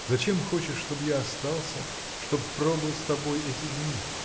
Зачем хочешь, чтоб я остался, чтоб пробыл с тобой эти дни?